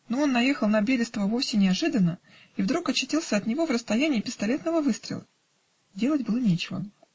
но он наехал на Берестова вовсе неожиданно и вдруг очутился от него в расстоянии пистолетного выстрела. Делать было нечего.